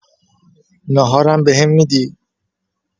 ناهارم بهم می‌دی؟